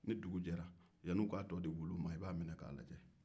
yanni u k'a tɔ wuluw ma i b'a lajɛ ni dugu jɛra